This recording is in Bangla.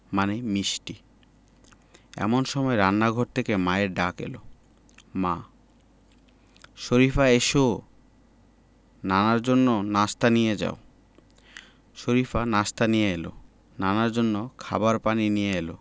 মানে মিষ্টি এমন সময় রান্নাঘর থেকে মায়ের ডাক এলো মা শরিফা এসো নানার জন্য নাশতা নিয়ে যাও শরিফা নাশতা নিয়ে এলো নানার জন্য খাবার পানি নিয়ে এলো